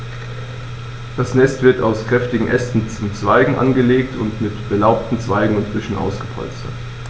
Das Nest wird aus kräftigen Ästen und Zweigen angelegt und mit belaubten Zweigen und Büscheln ausgepolstert.